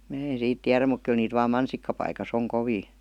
minä en siitä tiedä mutta kyllä niitä vain mansikkapaikassa on kovin